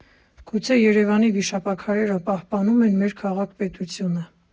Գուցե Երևանի վիշապաքարերը պահպանում են մեր քաղաք֊պետությունը։